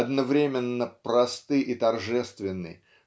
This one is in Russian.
одновременно просты и торжественны